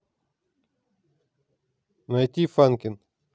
найт фанкин